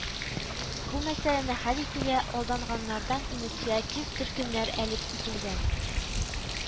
Бу мәсьәләне хәл итүгә алданганнардан инициатив төркемнәр әлеп ителгән